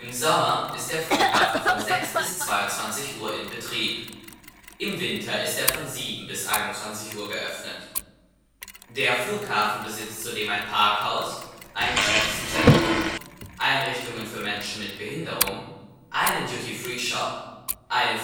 Sommer ist der Flughafen von 6 bis 22 Uhr in Betrieb, im Winter ist er von 7 bis 21 Uhr geöffnet. Der Flughafen besitzt zudem ein Parkhaus, ein Geschäftszentrum, Einrichtungen für Menschen mit Behinderung, einen Duty-free-Shop, eine Flughafenlounge